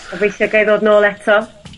Gobeithio gai ddod nôl eto.